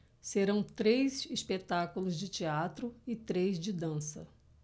serão três espetáculos de teatro e três de dança